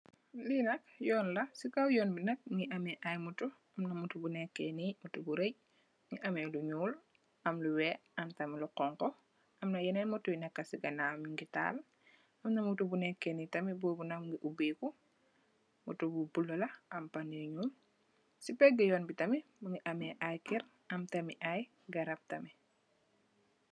li nak yoon la, si kow yoon bi nak, mu ngi am ay otto,..am na otto bu nekee nii, otto bu ray, mu ngi amee lu nyuul, am lu weex, am tam lu xonxu, am na yeenen mottonyu neeke si ganawwam nyu ngi taal. Am na otto bu neeke nii nak, oto boop mu ngi ubbey ku, am pono yu nyuul, si peegu yoon bi tam mu ngi am ay keer.